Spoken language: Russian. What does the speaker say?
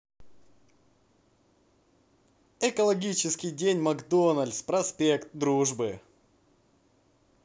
экологический день макдональдс проспект дружбы